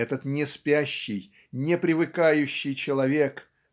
Этот неспящий, непривыкающий человек